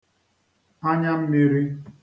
anyammiri